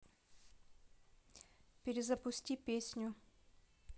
перезапусти песню